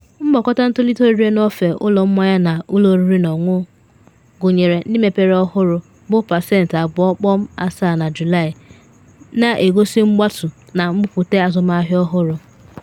Mgbakọta ntolite ọrịre n’ofe ụlọ mmanya na ụlọ oriri na ọṅụṅụ, gụnyere ndị mepere ọhụrụ, bụ pasentị 2.7 na Julaị, na egosi mgbatu na mbupute azụmahịa ọhụrụ.